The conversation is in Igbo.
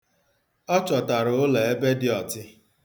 Ọ chọtara ụlọ ebe dị ọtị.